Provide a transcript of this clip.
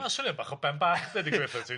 Ma'n swnio bach o ben bach deud y gwir thot ti.